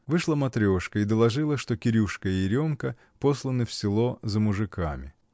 Вышла Матрешка и доложила, что Кирюшка и Еремка посланы в село за мужиками.